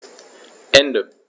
Ende.